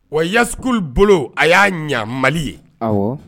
Wa yas bolo a y'a ɲa mali ye